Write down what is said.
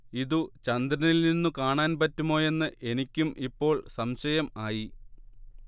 ഇതു ചന്ദ്രനിൽ നിന്നു കാണാൻ പറ്റുമോയെന്ന് എനിക്കും ഇപ്പോൾ സംശയം ആയി